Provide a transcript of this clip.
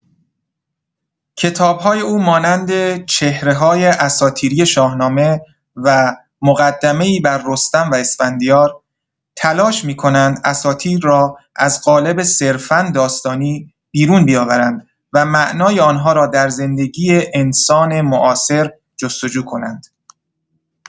کتاب‌های او مانند «چهره‌های اساطیری شاهنامه» و «مقدمه‌ای بر رستم و اسفندیار» تلاش می‌کنند اساطیر را از قالب صرفا داستانی بیرون بیاورند و معنای آنها را در زندگی انسان معاصر جست‌وجو کنند.